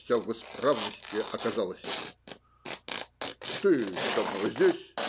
Все в исправности оказалось. - Ты давно здесь?